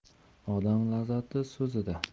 odam lazzati so'zida